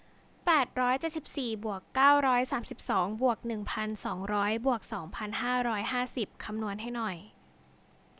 แปดร้อยเจ็ดสิบสี่บวกเก้าร้อยสามสิบสองบวกหนึ่งพันสองร้อยบวกสองพันห้าร้อยห้าสิบคำนวณให้หน่อย